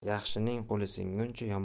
yaxshining qo'li singuncha